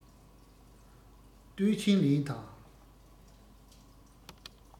ཏུའུ ཆིང ལིན དང